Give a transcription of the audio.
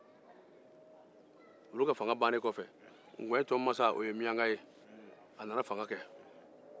olu ka fanga bannen kɔfe ŋuwɛntɔn masa ye fanga kɛ ale ye miyanka ye